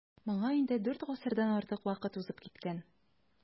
Моңа инде дүрт гасырдан артык вакыт узып киткән.